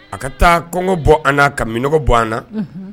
A ka taa kɔngɔ bɔ an na ka minnɔgɔ bɔ an na